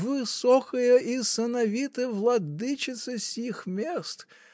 высокая и сановитая владычица сих мест!